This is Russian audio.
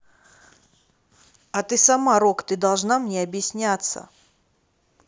а ты сама рок ты должна мне объясняться